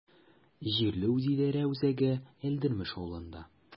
Җирле үзидарә үзәге Әлдермеш авылында.